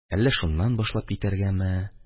Әллә шуннан башлап китәргәме?